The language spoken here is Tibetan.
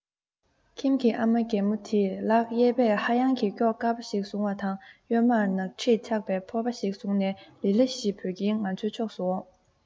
ཁྱིམ གྱི ཨ མ རྒན མོ དེས ལག གཡས པས ཧ ཡང གི སྐྱོགས དཀར པོ ཞིག བཟུང བ དང གཡོན མར ནག དྲེག ཆགས པའི ཕོར པ ཞིག བཟུང ནས ལི ལི ཞེས འབོད ཀྱིན ང ཚོའི ཕྱོགས སུ འོང